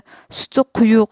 suti quyuq